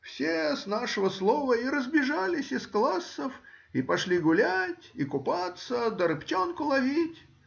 все с нашего слова и разбежались из классов и пошли гулять и купаться да рыбчонку ловить.